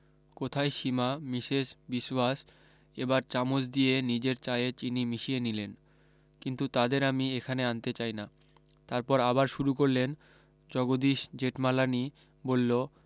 কোথায় সীমা মিসেস বিশোয়াস এবার চামচ দিয়ে নিজের চায়ে চিনি মিশিয়ে নিলেন কিন্তু তাদের আমি এখানে আনতে চাই না তারপর আবার শুরু করলেন জগদীশ জেঠমালানি বললো